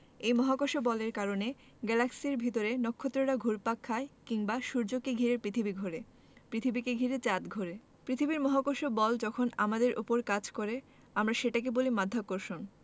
এই মহাকর্ষ বলের কারণে গ্যালাক্সির ভেতরে নক্ষত্ররা ঘুরপাক খায় কিংবা সূর্যকে ঘিরে পৃথিবী ঘোরে পৃথিবীকে ঘিরে চাঁদ ঘোরে পৃথিবীর মহাকর্ষ বল যখন আমাদের ওপর কাজ করে আমরা সেটাকে বলি মাধ্যাকর্ষণ